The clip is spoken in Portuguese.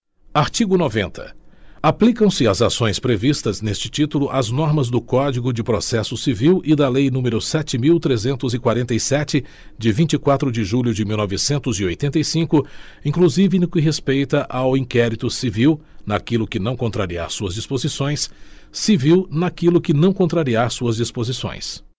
artigo noventa aplicam se às ações previstas neste título as normas do código de processo civil e da lei número sete mil trezentos e quarenta e sete de vinte e quatro de julho de mil novecentos e oitenta e cinco inclusive no que respeita ao inquérito civil naquilo que não contrariar suas disposições civil naquilo que não contrariar suas disposições